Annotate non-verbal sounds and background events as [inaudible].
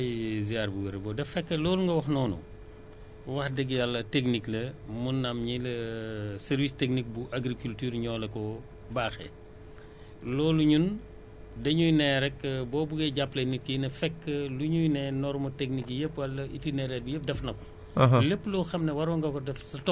donc jërëjëf Dame [hesitation] ñu ngi lay ziyaar bu wér dafa fekk loolu nga wax noonu wax dëgg Yàlla technique la mën na am ñi la [hesitation] services techniques bu agriculture ñoo la ko baaxee loolu ñun dañuy ne rekk boo buggee jàppale nit ki na fekk lu ñuy ne norme technique yépp wala itinéraire bi yépp def na ko